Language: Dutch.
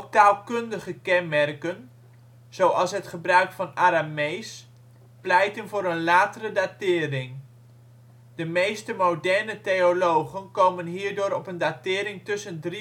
taalkundige kenmerken, zoals het gebruik van Aramees, pleiten voor een latere datering. De meeste moderne theologen komen hierdoor op een datering tussen 300